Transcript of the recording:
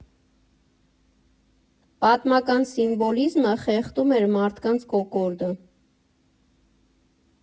Պատմական սիմվոլիզմը խեղդում էր մարդկանց կոկորդը։